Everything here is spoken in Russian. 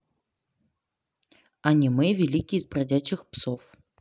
аниме великий из бродячих псов